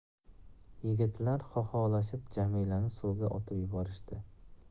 yigitlar xoxolashib jamilani suvga otib yuborishdi